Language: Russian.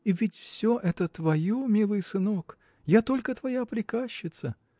и ведь все это твое, милый сынок: я только твоя приказчица.